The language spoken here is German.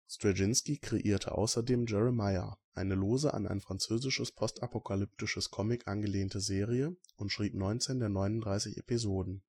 Straczynski kreierte außerdem Jeremiah, eine lose an ein französisches postapokalyptisches Comic angelehnte Serie, und schrieb 19 der 39 Episoden